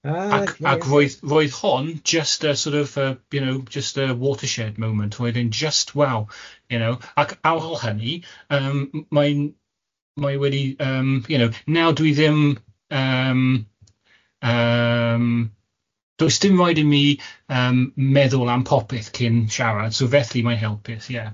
Ac ac roedd roedd hon jyst y sort of y you know jyst y watershed moment, oedd e'n jyst waw, you know ac ar ôl hynny yym mae'n, mae wedi yym you know nawr dwi ddim yym yym, does dim raid i mi yym meddwl am popeth cyn siarad so felly mae'n helpus ie.